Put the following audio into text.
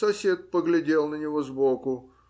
Сосед поглядел на него сбоку.